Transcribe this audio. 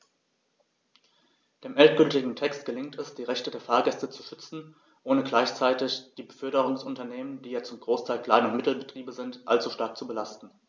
Dem endgültigen Text gelingt es, die Rechte der Fahrgäste zu schützen, ohne gleichzeitig die Beförderungsunternehmen - die ja zum Großteil Klein- und Mittelbetriebe sind - allzu stark zu belasten.